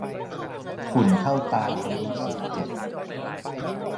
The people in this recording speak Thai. ฝุ่นเข้าตารู้สึกเจ็บ